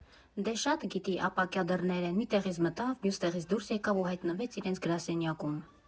Դե շատ գիտի՝ ապակյա դռներ են, մի տեղից մտավ, մյուս տեղից դուրս եկավ ու հայտնվեց իրենց գրասենյակում։